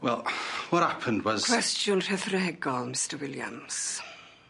Wel whar appened was... Cwestiwn rhethregol, Mr. Williams.